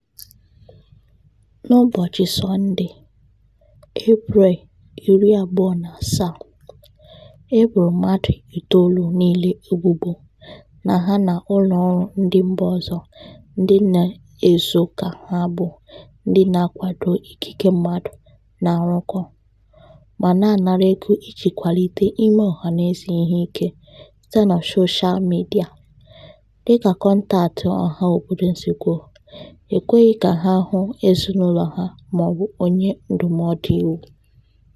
N'ụbọchị Sọnde, Eprel 27, e boro mmadụ itoolu niile ebubo na ha na ụlọọrụ ndị mba ọzọ ndị na-ezo ka ha bụ ndị na-akwado ikike mmadụ na-arụkọ... ma na-anara ego iji kpalite ime ọhanaeze ihe ike site na soshal midịa" Dịka kọntaktị ọhaobodo si kwuo, e kweghị ka ha hụ ezinaụlọ ha maọbụ onye ndụmọdụ iwu.